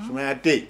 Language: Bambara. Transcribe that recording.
Sumayaya tɛ yen